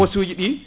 poste uji ɗi